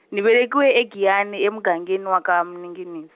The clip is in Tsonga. ni velekiwe e- Giyani emugangeni wa ka Mninginis-.